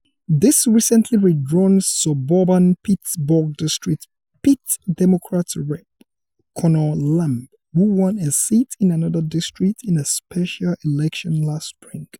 This recently redrawn suburban Pittsburg district pits Democrat Rep. Conor Lamb - who won his seat in another district in a special election last spring.